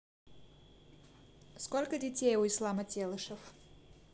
сколько детей у ислама телешев